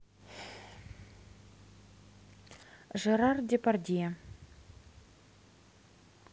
жерар депардье